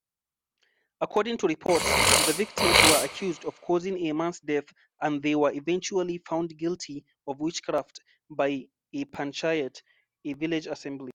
According to reports, the victims were accused of causing a man's death and they were eventually found guilty of witchcraft by a Panchayat (a village assembly).